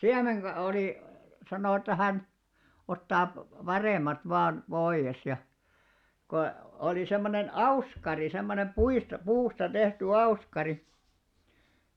- oli sanoi että hän ottaa paremmat vain pois ja kun oli semmoinen auskari semmoinen puista puusta tehty auskari